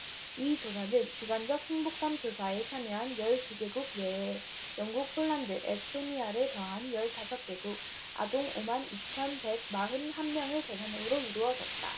이 조사는 주관적 행복감 조사에 참여한 열 두 개국 외에 영국 폴란드 에스토니아를 더한 열 다섯 개국 아동 오 만 이 천 백 마흔 한 명을 대상으로 이뤄졌다